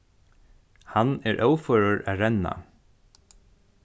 hann er óførur at renna